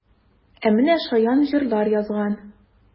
Ә менә шаян җырлар язган!